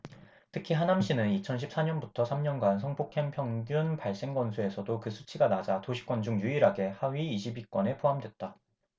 특히 하남시는 이천 십 사 년부터 삼 년간 성폭행 평균 발생 건수에서도 그 수치가 낮아 도시권 중 유일하게 하위 이십 위권에 포함됐다